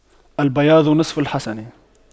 البياض نصف الحسن